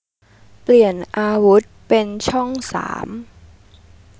เปลี่ยนอาวุธเป็นช่องสาม